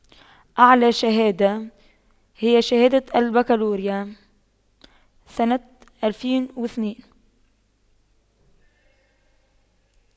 أعلى شهادة هي شهادة البكالوريا سنة ألفين واثنين